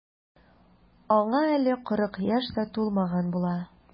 Аңа әле кырык яшь тә тулмаган була.